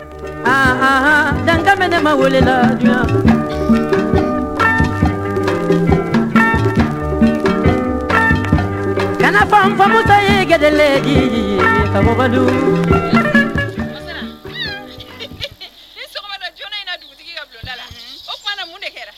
A zan ne ma wili la kanafa fa ye g ye ni in dugutigi ka bulon la oumana mun de